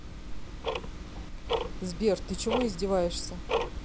сбер ты чего издеваешься